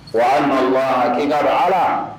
Ayiwa ayiwa kin kaa ala